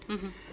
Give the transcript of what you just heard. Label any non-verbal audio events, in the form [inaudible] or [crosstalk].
[hesitation] [hesitation]